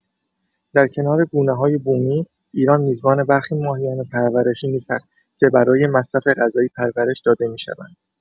در کنار گونه‌های بومی، ایران میزبان برخی ماهیان پرورشی نیز هست که برای مصرف غذایی پرورش داده می‌شوند.